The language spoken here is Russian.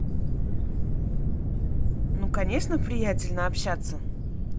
ну конечно приятельно общаться